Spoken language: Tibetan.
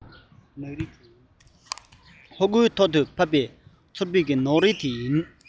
ཤོག ཐོག ཏུ ཕབ པའི ཚོར བའི ནག རིས དེ ཡིན